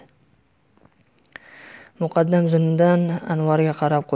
muqaddam zimdan anvarga qarab qo'ydi